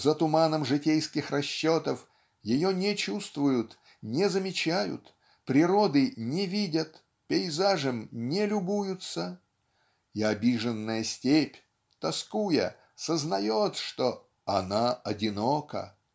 за туманом житейских расчетов ее не чувствуют не замечают природы не видят пейзажем не любуются и обиженная степь тоскуя сознает что "она одинока